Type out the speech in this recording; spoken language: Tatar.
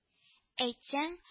— әйтсәң